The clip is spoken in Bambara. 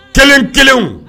T t